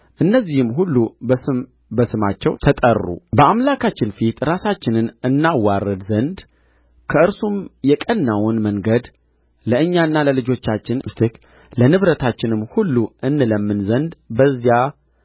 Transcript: እነዚህም ሁሉ በስም በስማቸው ተጠሩ በአምላካችን ፊት ራሳችንን እናዋርድ ዘንድ ከእርሱም የቀናውን መንገድ ለእኛና ለልጆቻችን ለንብረታችንም ሁሉ እንለምን ዘንድ በዚያ